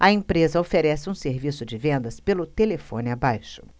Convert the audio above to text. a empresa oferece um serviço de vendas pelo telefone abaixo